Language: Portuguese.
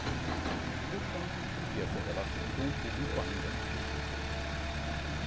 voltamos porque essa relação com o público ainda não se esgotou